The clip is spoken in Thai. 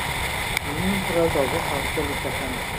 เหมือนรอยต่อหัวเข่าจะหลุดออกจากกัน